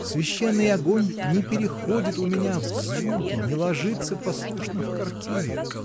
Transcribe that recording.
Священный огонь не переходит у меня в звуки, не ложится послушно в картину!